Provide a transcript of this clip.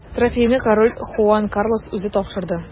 Трофейны король Хуан Карлос I үзе тапшырды.